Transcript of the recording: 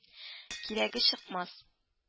— кирәге чыкмас